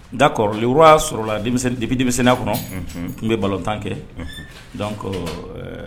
D'accord le roi sɔrɔla depuis denmisɛnninya kɔnɔ n bɛ balɔntan kɛ donc